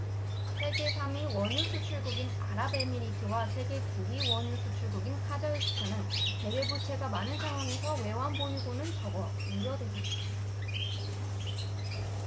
세계 삼 위 원유수출국인 아랍에미리트와 세계 구 위 원유수출국인 카자흐스탄은 대외부채가 많은 상황에서 외환보유고는 적어 우려대상이다